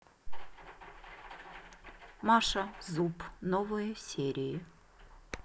маша зуб новые серии